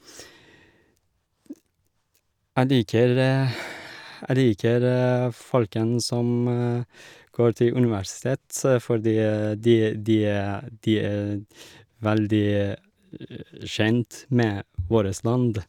æ liker Jeg liker folkene som går til universitet fordi de e de e de er veldig kjent med vårres land.